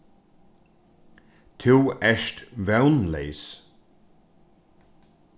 tú ert vónleys